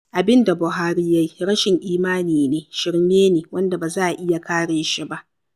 Abin da Buhari ya yi rashin imani ne, shirme ne wanda ba za a iya kare shi ba.